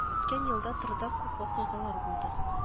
Үткән елда трда күп вакыйгалар булды